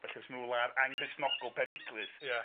Felly os ma' nw rwla anghristnogol peryglus... Ia.